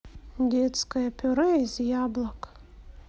детское пюре из яблок